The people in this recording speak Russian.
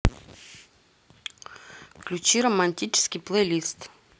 включи романтический плейлист